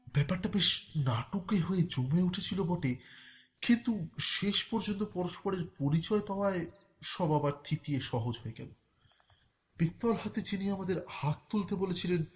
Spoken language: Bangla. ব্যাপারটা বেশ নাটকে হয়ে জমে উঠেছিল বটে কিন্তু শেষ পর্যন্ত পরস্পরের পরিচয় পাওয়ার পর সব আবার থিতিয়ে সহজ হয়ে গেল পিস্তল হাতে যিনি আমাদের হাত তুলতে বলেছিলেন